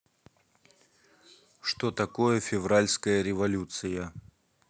что такое февральская революция